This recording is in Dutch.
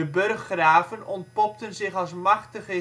burggraven ontpopten zich als machtige